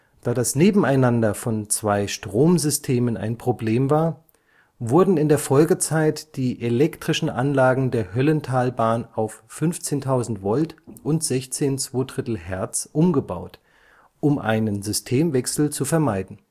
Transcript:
das Nebeneinander von zwei Stromsystemen ein Problem war, wurden in der Folgezeit die elektrischen Anlagen der Höllentalbahn auf 15.000 V und 16 2/3 Hz umgebaut, um einen Systemwechsel zu vermeiden